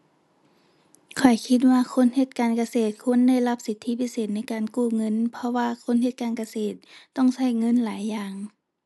ข้อยคิดว่าคนเฮ็ดการเกษตรควรได้รับสิทธิพิเศษในการกู้เงิน เพราะว่าคนเฮ็ดการเกษตรต้องใช้เงินหลายอย่าง